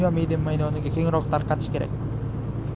dunyo media maydoniga kengroq tarqatish kerak